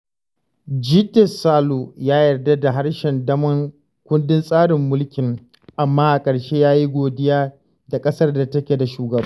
Jide Salu ya yarda da harshen damon kundin tsarin mulkin, amma ƙarshe ya yi godiya da ƙasar da take da shugaba.